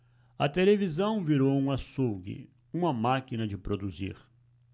a televisão virou um açougue uma máquina de produzir